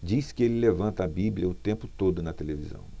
diz que ele levanta a bíblia o tempo todo na televisão